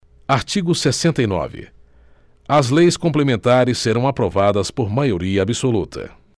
artigo sessenta e nove as leis complementares serão aprovadas por maioria absoluta